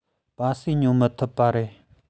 སྤ སེ ཉོ མི ཐུབ ཡོད